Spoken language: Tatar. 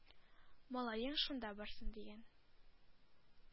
Малаең шунда барсын, дигән.